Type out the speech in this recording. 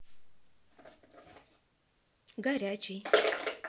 горячий